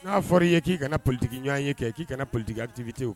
N'a f fɔra i ye k'i kana na politigi ɲ ɲɔgɔn ye kɛ k'i kana politigitigi tɛwu